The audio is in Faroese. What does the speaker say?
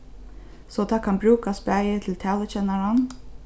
so tað kann brúkast bæði til talukennaran